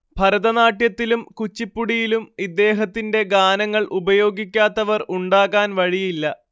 ഭരതനാട്യത്തിലും കുച്ചിപ്പുടിയിലും ഇദ്ദേഹത്തിന്റെ ഗാനങ്ങൾ ഉപയോഗിക്കാത്തവർ ഉണ്ടാകാൻ വഴിയില്ല